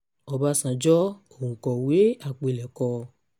Ọbásanjọ́, òǹkọ̀wé àpilẹ̀kọ?